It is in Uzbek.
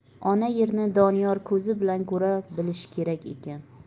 ona yerni doniyor ko'zi bilan ko'ra bilish kerak ekan